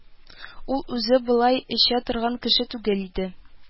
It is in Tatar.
Ул үзе болай эчә торган кеше түгел иде